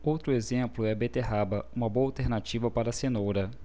outro exemplo é a beterraba uma boa alternativa para a cenoura